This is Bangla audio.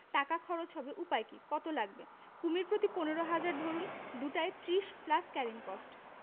টাকা খরচ হবে উপায় কি কত লাগবে কুমীর প্রতি পনেরো হাজার ধরুন দুটায় ত্রিশ প্লাস ক্যারিং কস্ট